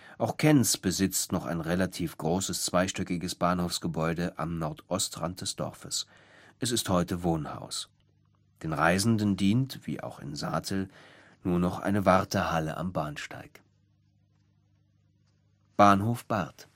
Auch Kenz besitzt noch ein relativ großes, zweistöckiges Bahnhofsgebäude am Nordostrand des Dorfes. Es ist heute Wohnhaus. Den Reisenden dient, wie auch in Saatel, nur noch eine Wartehalle am Bahnsteig. Bahnhof Barth